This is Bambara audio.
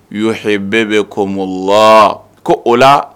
Y' h bɛɛ bɛ ko mo la ko o la